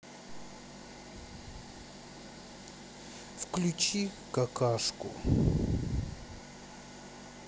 включи какашку